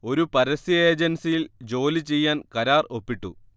ഒരു പരസ്യ ഏജൻസിയിൽ ജോലി ചെയ്യാൻ കരാർ ഒപ്പിട്ടു